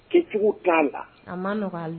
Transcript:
Kɛ cogo k'a la a ma nɔgɔ.